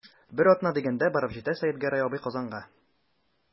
Бер атна дигәндә барып җитә Сәетгәрәй абый Казанга.